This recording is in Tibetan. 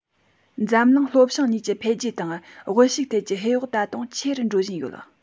འཛམ གླིང ལྷོ བྱང གཉིས ཀྱི འཕེལ རྒྱས དང དབུལ ཕྱུག ཐད ཀྱི ཧེ བག ད དུང ཆེ རུ འགྲོ བཞིན ཡོད